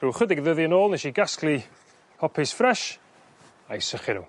rhw ychydig ddyddie yn ôl nesh i gasglu hopys ffres a'u sychu n'w.